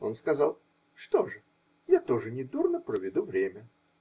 Он сказал: -- Что ж, я тоже недурно проведу время.